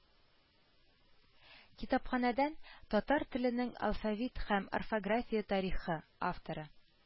Китапханәдән “Татар теленең алфавит һәм орфография тарихы” авторы